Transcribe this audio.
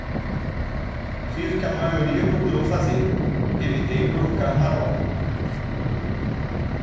fiz o que a maioria procurou fazer evitei provocar marola